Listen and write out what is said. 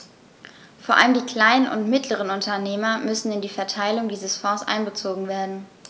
Vor allem die kleinen und mittleren Unternehmer müssen in die Verteilung dieser Fonds einbezogen werden.